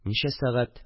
Ничә сәгать